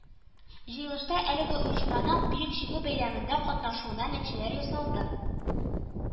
Җыелышта әлеге оешманың Бөек Җиңү бәйрәмендә катнашуына нәтиҗәләр ясалды